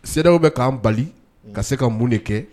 Sew bɛ k'an bali ka se ka mun de kɛ